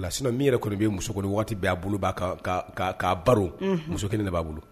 La sin min yɛrɛ kɔni bɛ muso kɔnɔ waati b'a bolo'a kaa baro muso kelen de b'a bolo